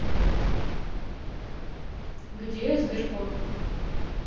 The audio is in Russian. где сберкот